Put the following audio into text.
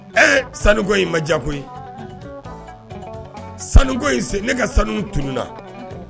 Ee sanu ko in ma diya koyi sanu ko in sen ne ka sanu tununna